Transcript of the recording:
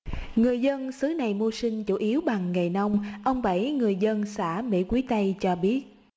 người dân xứ này mưu sinh chủ yếu bằng nghề nông ông bảy người dân xã mỹ quý tây cho biết